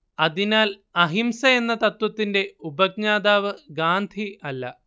അതിനാൽ അഹിംസ എന്ന തത്ത്വത്തിന്റെ ഉപജ്ഞാതാവ് ഗാന്ധി അല്ല